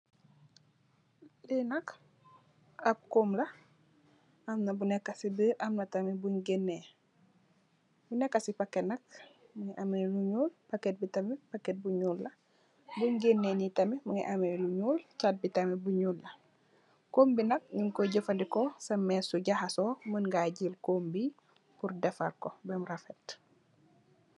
Li nak ab cum la, amna bu nekka ci biir amna tamit, amna tamit bun gènnè. Bu nekka ci pakèt nak mungi ameh lu ñuul, pakèt bi tamit, pakèt bu ñuul, bun gènnè ni tamit mungi ameh lu ñuul, chat bi tamit bu ñuul la. Cum bi nak nung koy jafadeko sa mès su jahaso mun nga jël cum bi purr dèfar ko bem rafet.